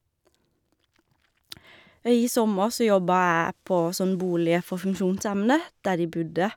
Ja, i sommer så jobba jeg på sånn boliger for funksjonshemmede, der de bodde.